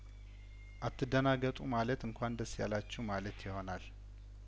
አት ደናገጡ ማለት እንኳን ደስ ያላችሁ ማለት ይሆናል